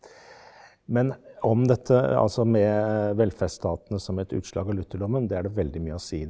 men om dette altså med velferdsstaten som et utslag av lutherdommen det er det veldig mye å si.